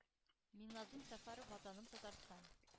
Миңназыйм Сәфәров, “Ватаным Татарстан”